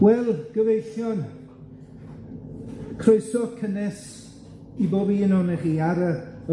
Wel, gyfeillion, croeso cynnes i bob un o'onoch chi ar y